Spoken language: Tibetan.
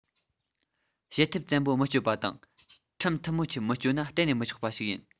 བྱེད ཐབས བཙན པོ མི སྤྱོད པ དང ཁྲིམས ཐུ མི ཆེ མི གཅོད ན གཏན ནས མི ཆོག པ ཞིག ཡིན